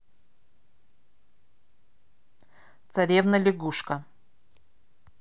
царевна лягушка